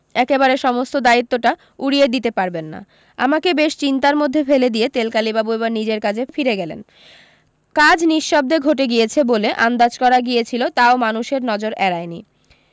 একেবারে সমস্ত দ্বায়িত্বটা উড়িয়ে দিতে পারবেন না আমাকে বেশ চিন্তার মধ্যে ফেলে দিয়ে তেলকালিবাবু এবার নিজের কাজে ফিরে গেলেন কাজ নিশব্দে ঘটে গিয়েছে বলে আন্দাজ করা গিয়েছিল তাও মানুষের নজর এড়ায়নি